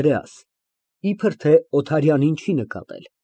ԱՆԴՐԵԱՍ ֊ (Իբր թե Օթարյանին չի նկատել)